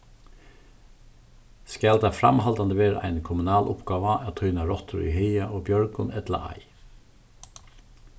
skal tað framhaldandi vera ein kommunal uppgáva at týna rottur í haga og bjørgum ella ei